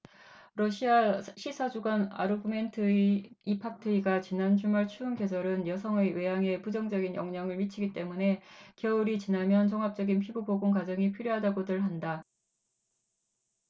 러시아 시사주간 아르구멘트이 이 팍트이가 지난 주말 추운 계절은 여성의 외양에 부정적인 영향을 미치기 때문에 겨울이 지나면 종합적인 피부 복원 과정이 필요하다고들 한다